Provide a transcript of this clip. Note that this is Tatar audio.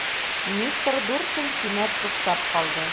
Мистер Дурсль кинәт туктап калды.